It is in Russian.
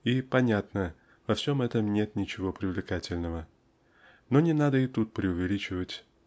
И, понятно, во всем этом нет ничего привлекательного. Но не надо и тут преувеличивать.